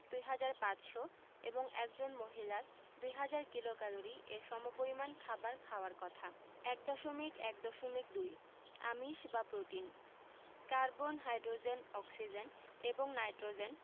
২৫০০ এবং একজন মহিলার ২০০০ কিলোক্যালরি এর সমপরিমান খাবার খাওয়ার কথা ১.১.২ আমিষ বা প্রোটিন কার্বন হাইড্রোজেন অক্সিজেন এবং নাইট্রোজেন